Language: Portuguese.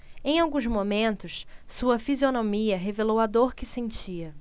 em alguns momentos sua fisionomia revelou a dor que sentia